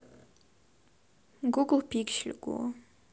гугл пиксель го